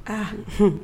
Aa h